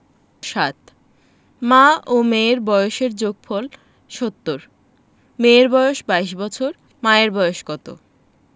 ৭ মা ও মেয়ের বয়সের যোগফল ৭০ মেয়ের বয়স ২২ বছর মায়ের বয়স কত